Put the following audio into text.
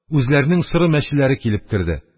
Үзләренең соры мәчеләре килеп керде.